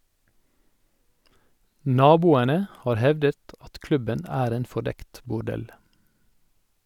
Naboene har hevdet at klubben er en fordekt bordell.